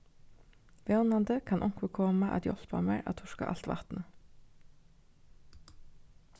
vónandi kann onkur koma at hjálpa mær at turka alt vatnið